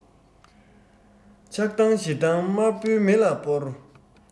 ཆགས སྡང ཞེ སྡང དམར པོའི མེ ལ སྤོར